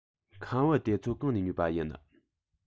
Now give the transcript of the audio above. ཁམ བུ དེ ཚོ གང ནས ཉོས པ ཡིན